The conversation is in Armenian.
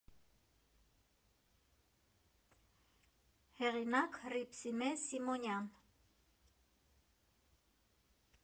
Հեղինակ՝ Հռիփսիմե Սիմոնյան։